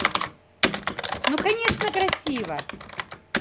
ну конечно красиво